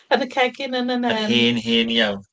Yn y cegin yn y nen... Yn hen hen iawn.